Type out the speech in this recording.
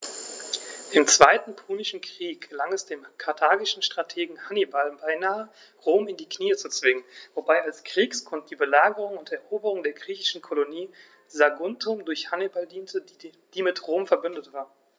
Im Zweiten Punischen Krieg gelang es dem karthagischen Strategen Hannibal beinahe, Rom in die Knie zu zwingen, wobei als Kriegsgrund die Belagerung und Eroberung der griechischen Kolonie Saguntum durch Hannibal diente, die mit Rom „verbündet“ war.